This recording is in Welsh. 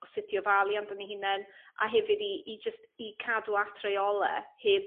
o sut i ofalu amdan 'u hunen a hefyd i i jyst i cadw at rheole heb